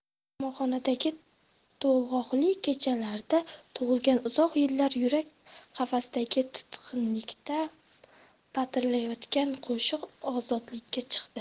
qamoqxonadagi to'lg'oqli kechalarda tug'ilgan uzoq yillar yurak qafasidagi tutqinlikda potirlayotgan qo'shiq ozodlikka chiqdi